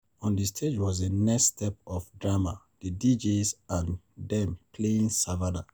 On the stage was a next set of drama, the DJs and them playing "Savannah"